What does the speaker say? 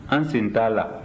an sen t'a la